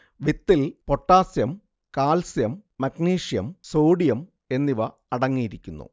വിത്തിൽ potassium calcium magnesium sodium എന്നിവ അടങ്ങിയിരിക്കുന്നു